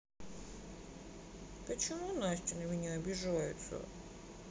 почему настя на меня обижается